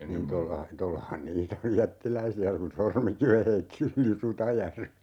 niin tuolla tuollahan niitä on jättiläisiä kun Sormikiven heitti yli Rutajärven